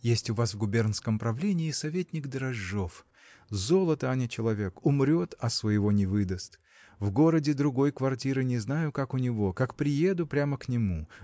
Есть у нас в губернском правлении советник Дрожжов золото а не человек умрет, а своего не выдаст в городе другой квартиры не знаю как у него – как приеду прямо к нему